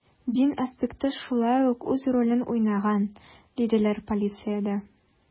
Дин аспекты шулай ук үз ролен уйнаган, диделәр полициядә.